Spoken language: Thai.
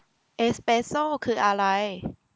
เอสเปสโซ่คืออะไร